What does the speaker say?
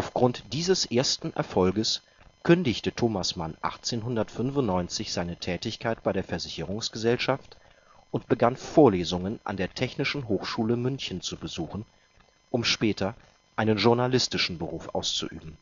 Aufgrund dieses ersten Erfolges kündigte Thomas Mann 1895 seine Tätigkeit bei der Versicherungsgesellschaft und begann Vorlesungen an der Technischen Hochschule München zu besuchen, um später einen journalistischen Beruf auszuüben